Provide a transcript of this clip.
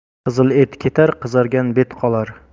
qizil et ketar qizargan bet qolar